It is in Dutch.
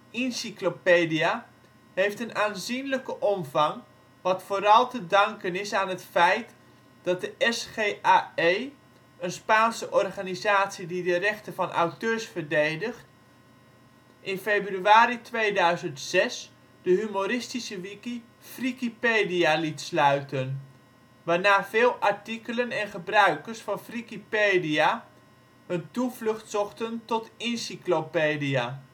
Inciclopedia, heeft een aanzienlijke omvang, wat vooral te danken is aan het feit dat de SGAE, een Spaanse organisatie die de rechten van auteurs verdedigt, in februari 2006 de humoristische Wiki Frikipedia liet sluiten, waarna veel artikelen en gebruikers van Frikipedia hun toevlucht zochten tot Inciclopedia